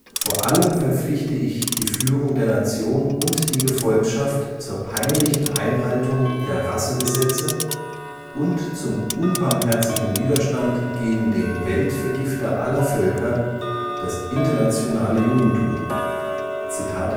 Vor allem verpflichte ich die Führung der Nation und die Gefolgschaft zur peinlichen Einhaltung der Rassegesetze und zum unbarmherzigen Widerstand gegen den Weltvergifter aller Völker, das internationale Judentum. “– Außer